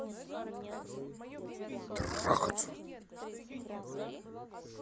трахаться